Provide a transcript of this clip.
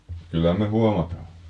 kyllä me huomataan